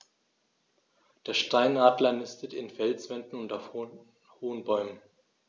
Der Steinadler nistet in Felswänden und auf hohen Bäumen.